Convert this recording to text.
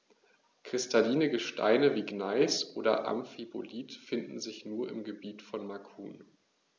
Kristalline Gesteine wie Gneis oder Amphibolit finden sich nur im Gebiet von Macun.